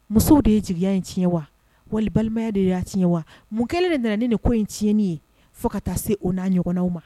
Musow de ye jigi in tiɲɛ wa wali balimaya de y'a tiɲɛ wa mun kelen de nana ne de ko in tiɲɛni ye fo ka taa se o n'a ɲɔgɔnw ma